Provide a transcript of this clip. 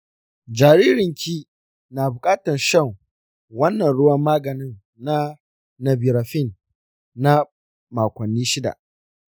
jaririnki na buƙatan shan wannan ruwan maganin na nevirapine na makonni shida.